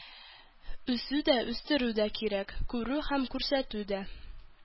Үсү дә үстерү дә кирәк, күрү һәм күрсәтү дә.